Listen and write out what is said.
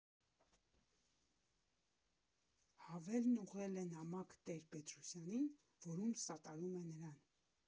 Հավելն ուղղել է նամակ Տեր֊֊Պետրոսյանին, որում սատարում է նրան։